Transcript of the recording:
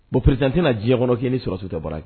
Bon peretetan tɛna diɲɛ kɔnɔ'i ni sɔrɔ su tɛ baara ye